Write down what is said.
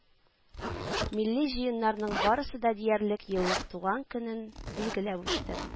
Милли җыеннарның барысы да диярлек еллык туган көнен билгеләп үтте